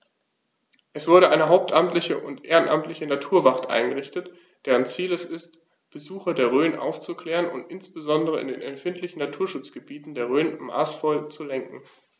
Es wurde eine hauptamtliche und ehrenamtliche Naturwacht eingerichtet, deren Ziel es ist, Besucher der Rhön aufzuklären und insbesondere in den empfindlichen Naturschutzgebieten der Rhön maßvoll zu lenken.